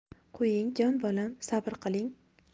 qo'ying jon bolam sabr qiling